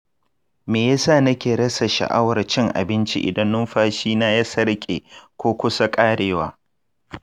me yasa nake rasa sha'awar cin abinci idan numfashina ya sarƙe/kusa ƙarewa?